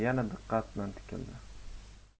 yana diqqat bilan tikildi